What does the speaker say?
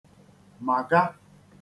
-màga